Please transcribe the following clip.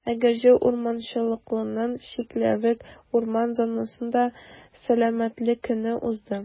Әгерҗе урманчылыгының «Чикләвек» урман зонасында Сәламәтлек көне узды.